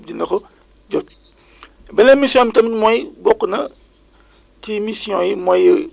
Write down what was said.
mais léegi c' est devenu une réalité d' ailleurs ñun sax léegi dañ ñuy tere ñu wax changement climatique ñun léegi on parle de dérèglement climatique